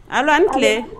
Ala an tile